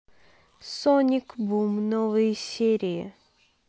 соник бум новые серии